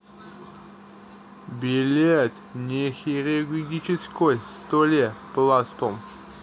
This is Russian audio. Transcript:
билет на хирургическом столе пластом